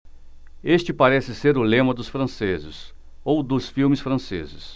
este parece ser o lema dos franceses ou dos filmes franceses